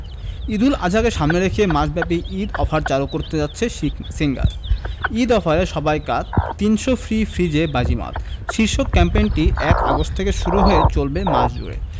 ঈদুল আজহাকে সামনে রেখে মাসব্যাপী ঈদ অফার চালু করতে যাচ্ছে সিঙ্গার ঈদ অফারে সবাই কাত ৩০০ ফ্রি ফ্রিজে বাজিমাত শীর্ষক ক্যাম্পেইনটি ১ আগস্ট থেকে শুরু হয়ে চলবে মাস জুড়ে